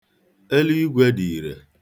Eluigwe dị ire.